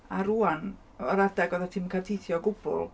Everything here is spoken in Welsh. A rŵan, yr adeg oeddet ti'm yn cael teithio o gwbl...